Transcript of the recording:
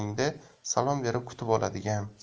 borganingda salom berib kutib oladigan